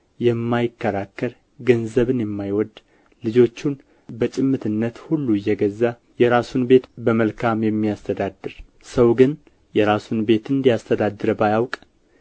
የማይከራከር ገንዘብን የማይወድ ልጆቹን በጭምትነት ሁሉ እየገዛ የራሱን ቤት በመልካም የሚያስተዳድር ሰው ግን የራሱን ቤት እንዲያስተዳድር ባያውቅ